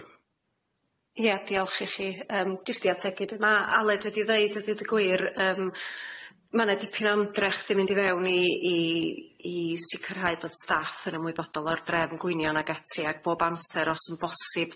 Ie diolch i chi yym jyst i ategu be' ma' Aled wedi ddeud a deud y gwir yym ma' na dipyn o ymdrech di mynd i fewn i i sicrhau bod staff yn ymwybodol o'r drefn gwynion ag ati ag bob amser os yn bosib